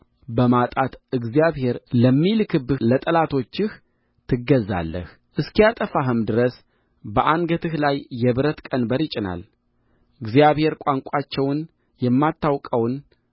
በማጣት እግዚአብሔር ለሚልክብህ ለጠላቶችህ ትገዛለህ እስኪያጠፋህም ድረስ በአንገትህ ላይ የብረት ቀንበር ይጭናል እግዚአብሔር ቋንቋቸውን የማታውቀውን